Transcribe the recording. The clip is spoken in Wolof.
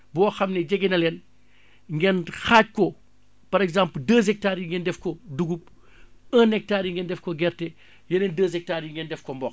boo xam ne jege na leen ngeen xaaj ko par exemple deux hectares yi ngeen def ko dugub un hectare yi ngeen def ko gerte yeneen deux hectares yi ngeen def ko mboq